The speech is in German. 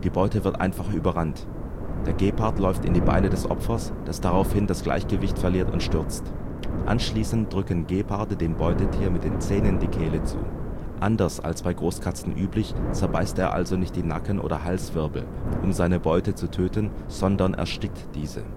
Beute wird einfach überrannt: Der Gepard läuft in die Beine des Opfers, das daraufhin das Gleichgewicht verliert und stürzt. Anschließend drücken Geparde dem Beutetier mit den Zähnen die Kehle zu. Anders als bei Großkatzen üblich zerbeißt er also nicht die Nacken - oder Halswirbel, um seine Beute zu töten, sondern erstickt diese